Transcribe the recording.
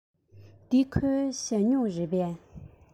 འདི ཁོའི ཞ སྨྱུག རེད པས